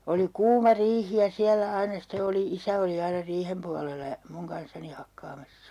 oli kuuma riihi ja siellä aina sitten oli isä oli aina riihen puolella ja minun kanssani hakkaamassa